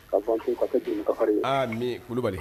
Kulubali